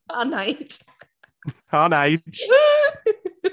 Our Nige .... Our Nige!